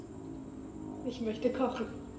Ich möchte kochen.